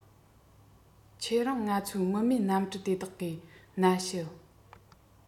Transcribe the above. ཁྱེད རང ང ཚོའི མི མེད གནམ གྲུ དེ དག གིས སྣ ཤུ